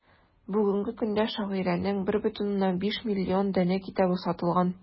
Бүгенге көндә шагыйрәнең 1,5 миллион данә китабы сатылган.